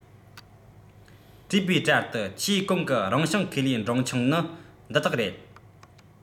བཀྲུས པའི གྲལ དུ ཆེས གོང གི རང བྱུང ཁེ ལས འབྲིང ཆུང ནི འདི དག རེད